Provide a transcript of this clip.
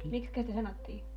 miksikä sitä sanottiin